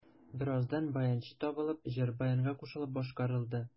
Бераздан баянчы табылып, җыр баянга кушылып башкарылды.